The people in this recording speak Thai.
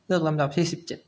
เลือกลำดับที่สิบเจ็ด